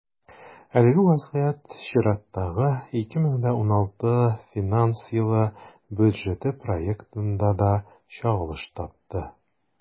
Әлеге вазгыять чираттагы, 2016 финанс елы бюджеты проектында да чагылыш тапты.